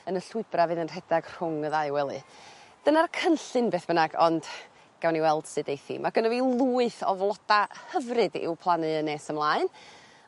yn y llwybra' fydd yn rhedag rhwng y ddau wely. Dyna'r cynllun beth bynnag ond gawn ni weld sud eith 'i ma' gynno fi lwyth o floda hyfryd i'w plannu yn nes ymlaen